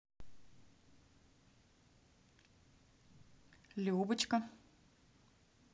любочка